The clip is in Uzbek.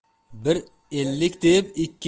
bir ellik deb